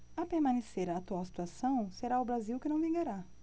a permanecer a atual situação será o brasil que não vingará